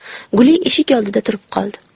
guli eshik oldida turib qoldi